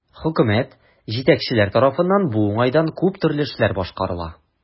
Хөкүмәт, җитәкчеләр тарафыннан бу уңайдан күп төрле эшләр башкарыла.